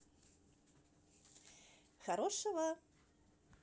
хорошего